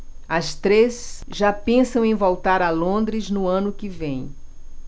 as três já pensam em voltar a londres no ano que vem